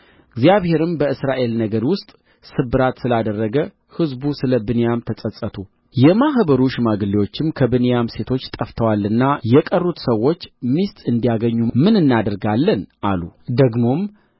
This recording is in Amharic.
እግዚአብሔርም በእስራኤል ነገድ ውስጥ ስብራት ስላደረገ ሕዝቡ ስለ ብንያም ተጸጸቱ የማኅበሩ ሽማግሌዎች ከብንያም ሴቶች ጠፍተዋልና የቀሩት ሰዎች ሚስት እንዲያገኙ ምን እናደርጋለን አሉ ደግሞም